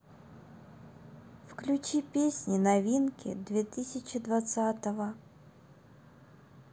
включи песни новинки две тысячи двадцатого